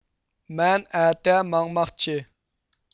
مەن ئەتە ماڭماقچى